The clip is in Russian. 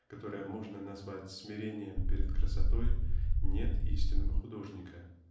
которое можно назвать смирением перед красотой нет истинного художника.